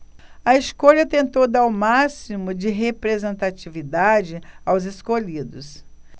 a escolha tentou dar o máximo de representatividade aos escolhidos